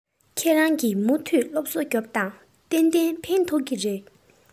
ཁྱེད རང གིས མུ མཐུད སློབ གསོ རྒྱོབས དང གཏན གཏན ཕན ཐོགས ཀྱི རེད